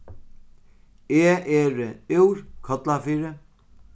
eg eri úr kollafirði